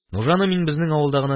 Нужаны мин безнең авылда гына